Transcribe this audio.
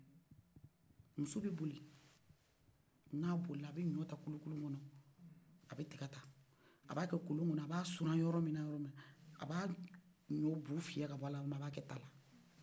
muso bɛ boli na bolila a bɛ ɲɔn ta kulukulu kɔnɔ a bɛ tigɛ ta a bɛ o kɛ kolo kɔnɔ a bɛ surɔn yɔrɔ mina a b'a bu ɲɔn fiyɛ ka b'ala yɔrɔ mi a b'a kɛ daga kɔnɔ